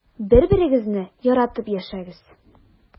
Бер-берегезне яратып яшәгез.